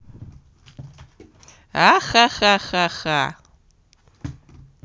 ахахахаха